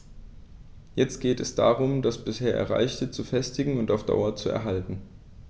Jetzt geht es darum, das bisher Erreichte zu festigen und auf Dauer zu erhalten.